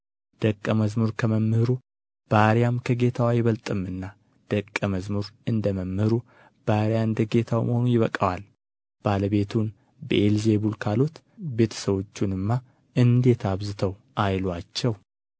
ደቀ መዝሙር ከመምህሩ ባሪያም ከጌታው አይበልጥም ደቀ መዝሙር እንደ መምህሩ ባሪያም እንደ ጌታው መሆኑ ይበቃዋል ባለቤቱን ብዔል ዜቡል ካሉት ቤተሰዎቹንማ እንዴት አብዝተው አይሉአቸው